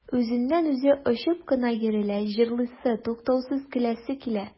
Үзеннән-үзе очып кына йөрелә, җырлыйсы, туктаусыз көләсе килә.